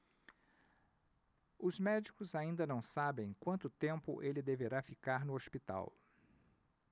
os médicos ainda não sabem quanto tempo ele deverá ficar no hospital